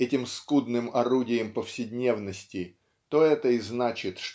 этим скудным орудием повседневности то это и значит